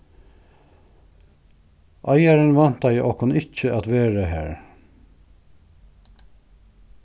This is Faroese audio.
eigarin væntaði okkum ikki at vera har